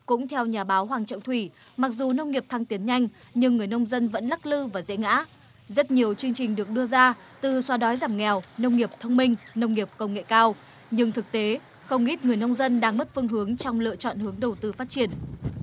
cũng theo nhà báo hoàng trọng thủy mặc dù nông nghiệp thăng tiến nhanh nhưng người nông dân vẫn lắc lư và dễ ngã rất nhiều chương trình được đưa ra từ xóa đói giảm nghèo nông nghiệp thông minh nông nghiệp công nghệ cao nhưng thực tế không ít người nông dân đang mất phương hướng trong lựa chọn hướng đầu tư phát triển